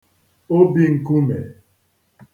obi n̄kùmè